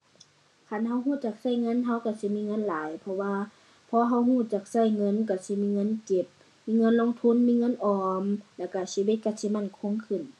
คันเราเราจักเราเงินเราเราสิมีเงินหลายเพราะว่า พอเราเราจักเราเงินเราสิมีเงินเก็บ มีเงินลงทุน มีเงินออม แล้วเราชีวิตเราสิมั่นคงขึ้น